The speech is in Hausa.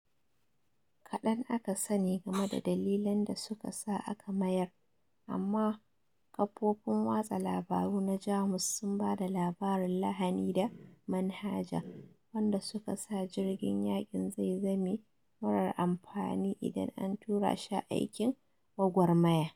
Kadan aka sani game da dalilan da suka sa aka mayar, amma kafofin watsa labaru na Jamus sun ba da labarin "lahani da manhaja" wanda suka sa jirgin yakin zai zame marar amfani idan an tura shi a aikin gwagwarmaya.